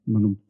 Ma' nw'n...